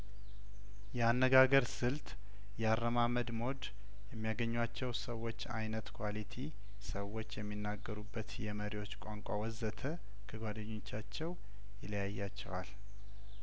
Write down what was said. የአነጋገር ስልት የአረማመድ ሞድ የሚያገኙዎቻቸው ሰዎች አይነት ኩዋሊቲ ሰዎች የሚናገሩበት የመሪዎች ቋንቋ ወዘተ ከጓደኞቻቸው ይለያያቸዋል